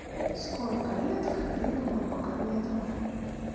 сколько лет хабибу нурмагомедову